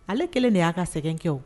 Ale kelen de ya ka sɛngɛ kɛ